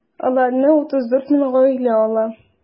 Аларны 34 мең гаилә ала.